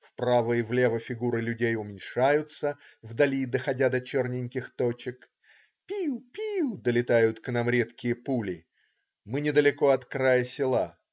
вправо и влево фигуры людей уменьшаются, вдали доходя до черненьких точек. Пиу. пиу. - долетают к нам редкие пули. Мы недалеко от края села.